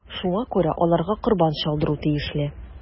Шуңа күрә аларга корбан чалдыру тиешле.